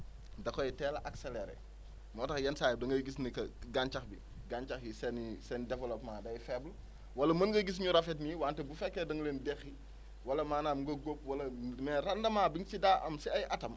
da kot teel a accéléré moo tax yenn saa yi du ngay gis ni que gàncax bi gàncax yi seen seen développement day faible wala mën nga gis ñu rafet nii wante bu fekkee da nga leen déqi wala maanaam nga góob wala mais rendement bi nga si daa am si ay atam